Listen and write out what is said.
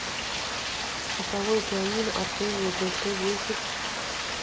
цифровое пианино артезия дп десять